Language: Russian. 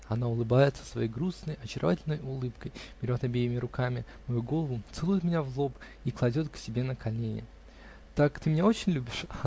Она улыбается своей грустной, очаровательной улыбкой, берет обеими руками мою голову, целует меня в лоб и кладет к себе на колени. -- Так ты меня очень любишь?